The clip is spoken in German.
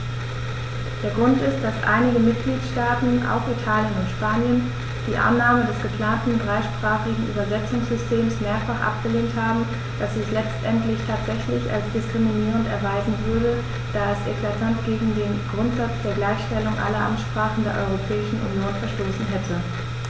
Der Grund ist, dass einige Mitgliedstaaten - auch Italien und Spanien - die Annahme des geplanten dreisprachigen Übersetzungssystems mehrfach abgelehnt haben, das sich letztendlich tatsächlich als diskriminierend erweisen würde, da es eklatant gegen den Grundsatz der Gleichstellung aller Amtssprachen der Europäischen Union verstoßen hätte.